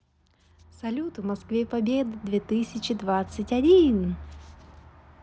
салют в москве победы две тысячи двадцать один